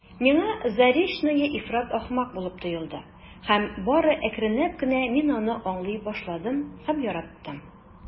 Миңа Заречная ифрат ахмак булып тоелды һәм бары әкренләп кенә мин аны аңлый башладым һәм яраттым.